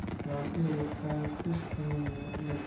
yozga yetsang qish kuningni unutma